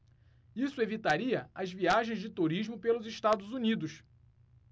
isso evitaria as viagens de turismo pelos estados unidos